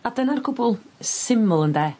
A dyna'r gwbwl. Syml ynde?